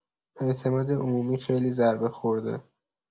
اعتماد عمومی خیلی ضربه خورده.